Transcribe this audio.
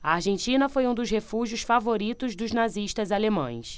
a argentina foi um dos refúgios favoritos dos nazistas alemães